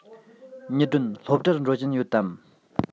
ཉི སྒྲོན སློབ གྲྭར འགྲོ བཞིན ཡོད དམ